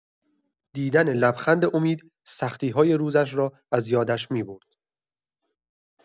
دیدن لبخند امید، سختی‌های روزش را از یادش می‌برد.